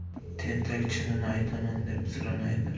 tentak chinini aytaman deb sirini aytar